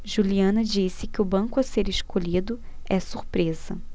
juliana disse que o banco a ser escolhido é surpresa